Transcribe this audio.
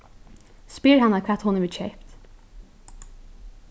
spyr hana hvat hon hevur keypt